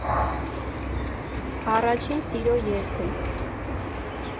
Առաջին սիրո երգն։